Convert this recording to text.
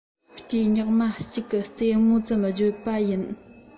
སྐྲའི ཉག མ གཅིག གི རྩེ མོ ཙམ བརྗོད པ ཡིན